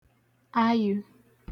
ayụ̄